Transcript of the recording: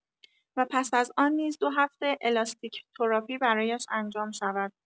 و پس از آن نیز دو هفته الاستیک تراپی برایش انجام شود